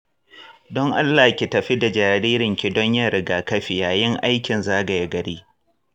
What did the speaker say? don allah ki tafi da jaririnki don yin rigakafi yayin aikin zagaya gari.